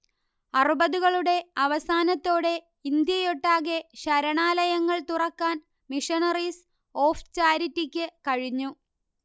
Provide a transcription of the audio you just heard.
അറുപതുകളുടെ അവസാനത്തോടെ ഇന്ത്യയൊട്ടാകെ ശരണാലയങ്ങൾ തുറക്കാൻ മിഷണറീസ് ഓഫ് ചാരിറ്റിക്ക് കഴിഞ്ഞു